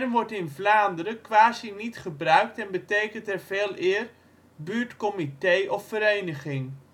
wordt in Vlaanderen quasi niet gebruikt en betekent er veeleer buurtcomité of - vereniging